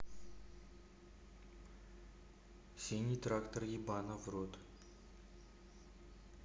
синий трактор ебана в рот